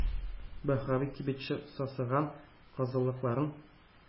Баһави кибетче сасыган казылыкларын